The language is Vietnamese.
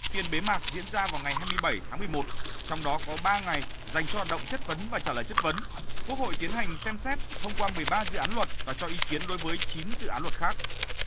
phiên bế mạc diễn ra vào ngày hai mươi bảy tháng mười một trong đó có ba ngày dành cho hoạt động chất vấn và trả lời chất vấn quốc hội tiến hành xem xét thông qua mười ba dự án luật và cho ý kiến đối với chín dự án luật khác